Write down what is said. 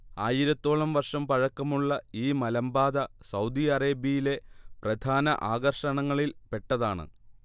ആയിരത്തോളം വർഷം പഴക്കമുള്ള ഈ മലമ്പാത സൗദി അറേബ്യയിലെ പ്രധാന ആകർഷണങ്ങളിൽ പെട്ടതാണ്